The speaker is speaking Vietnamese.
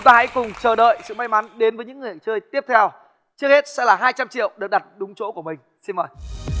ta hãy cùng chờ đợi sự may mắn đến với những người chơi tiếp theo trước hết sẽ là hai trăm triệu được đặt đúng chỗ của mình xin mời